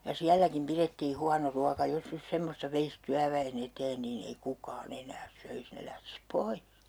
ja sielläkin pidettiin huono ruoka jos nyt semmoista veisi työväen eteen niin ei kukaan enää söisi ne lähtisi pois